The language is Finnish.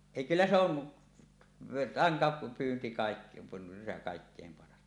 ei kyllä se on rantapyynti - kaikkein paras